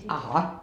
aha